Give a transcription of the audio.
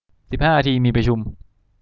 สิบห้านาทีมีประชุม